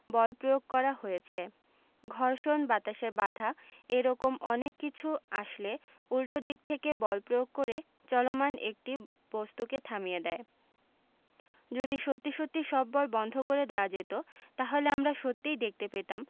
বল প্রয়োগ করা হয়েছে ঘর্ষণ বাতাসের বাধা এ রকম অনেক কিছু আসলে উল্টো দিক থেকে বল প্রয়োগ করে চলমান একটা বস্তুকে থামিয়ে দেয় যদি সত্যি সত্যি সব বল বন্ধ করে দেওয়া যেত তাহলে আমরা সত্যিই দেখতে পেতাম